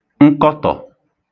nkọtọ̀